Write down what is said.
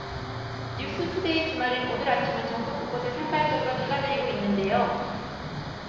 뉴스투데이 주말인 오늘 아침은 전국 곳곳에 산발적으로 비가 내리고 있는데요